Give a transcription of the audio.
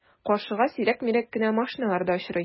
Каршыга сирәк-мирәк кенә машиналар да очрый.